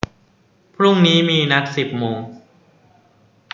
พรุ่งนี้มีนัดสิบโมง